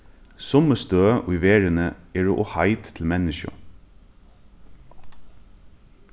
summi støð í verðini eru ov heit til menniskju